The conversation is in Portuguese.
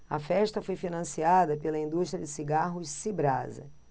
a festa foi financiada pela indústria de cigarros cibrasa